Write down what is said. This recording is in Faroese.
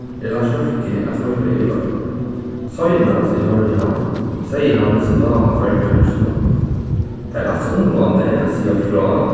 er lars løkke at hoyra í útvarpinum seinast eg hoyrdi hann segði hann seg dáma føroyar sum land tað er altso umráðandi at siga frá